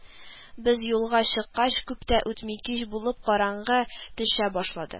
Без юлга чыккач, күп тә үтми кич булып, караңгы төшә башлады